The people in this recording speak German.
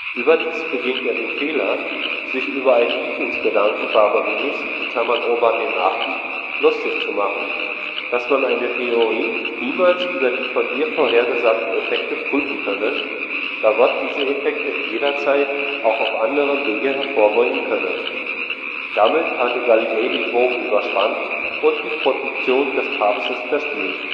Überdies beging er den Fehler, sich über einen Lieblingsgedanken Barberinis (Urban VIII.) lustig zu machen: dass man eine Theorie niemals über die von ihr vorhergesagten Effekte prüfen könne, da Gott diese Effekte jederzeit auch auf anderem Wege hervorbringen könne. Damit hatte Galilei den Bogen überspannt und die Protektion des Papstes verspielt